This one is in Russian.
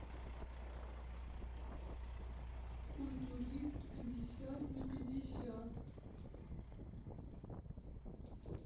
культурист пятьдесят на пятьдесят